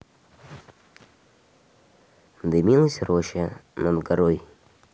дымилась роща над горою